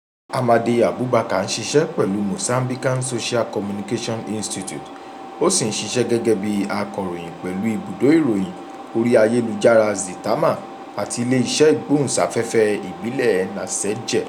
Amade Abubacar ń ṣiṣẹ́ pẹ̀lú Mozambican Social Communication Institute, ó sì ń ṣiṣẹ́ gẹ́gẹ́ bí akọ̀ròyìn pẹ̀lú ibùdó ìròyìn orí ayélujára Zitamar àti iléeṣẹ́ ìgbóhùnsáfẹ́fẹ́ ìbílẹ̀ Nacedje.